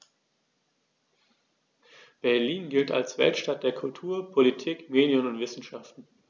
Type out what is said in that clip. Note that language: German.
Berlin gilt als Weltstadt der Kultur, Politik, Medien und Wissenschaften.